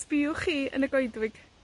Sbïwch chi yn y goedwig